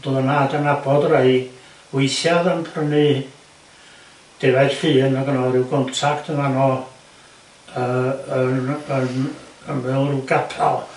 ond o'dd fy nhad yn nabod rei withia o'dd yn prynu defaid Llŷn ac o'dd gynno n'w ryw gontract yn fan 'no yy yn yn ymyl ryw gapel.